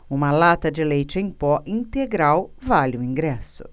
uma lata de leite em pó integral vale um ingresso